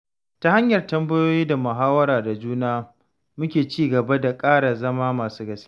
Ta hanyar tambayoyi da muhawara da juna muke ci gaba da ƙara zama masu gaskiya.